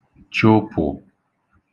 chụpụ̀